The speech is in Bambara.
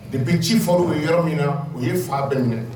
De bin ci fɔr u ye yɔrɔ min na u ye fa bɛɛ minɛ